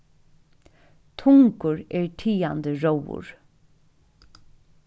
tungur er tigandi róður